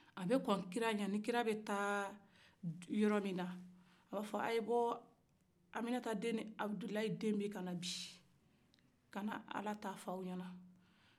a bɛ kon kira ɲa nin kira bɛ taa yɔrɔ min na a b'a fɔ a ye bɔ aminata den ni abudulay den bɛ kana bi kana ala ta fɔ aw ɲana